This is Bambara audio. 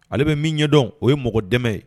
Ale bɛ min ɲɛ dɔn o ye mɔgɔ dɛmɛ ye